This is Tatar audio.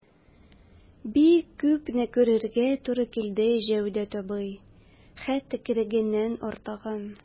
Бик күпне күрергә туры килде, Җәүдәт абый, хәтта кирәгеннән артыгын...